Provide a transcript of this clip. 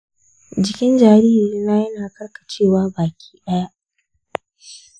jikin jaririna yana karkacewa baki daya.